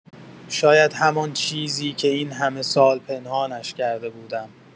شاید همان چیزی که این‌همه سال پنهانش کرده بودم.